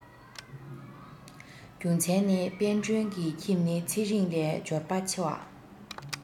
རྒྱུ མཚན ནི དཔལ སྒྲོན གྱི ཁྱིམ ནི ཚེ རིང ལས འབྱོར པ ཆེ བ